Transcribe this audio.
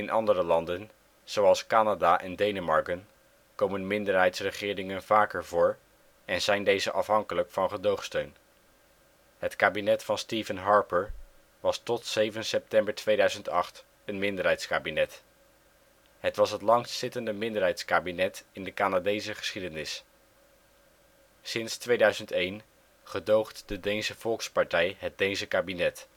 andere landen, zoals Canada en Denemarken, komen minderheidsregeringen vaker voor en zijn deze afhankelijk van gedoogsteun. Het kabinet van Stephen Harper was tot 7 september 2008 een minderheidskabinet. Het was het langstzittende minderheidskabinet in de Canadese geschiedenis. Sinds 2001 gedoogt de Deense Volkspartij het Deense kabinet